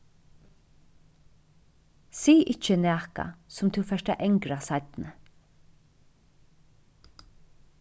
sig ikki nakað sum tú fert at angra seinni